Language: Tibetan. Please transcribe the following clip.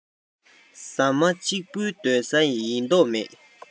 ཟ མ གཅིག པོའི སྡོད ས ཡིན མདོག མེད